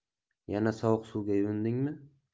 yana sovuq suvga yuvindingmi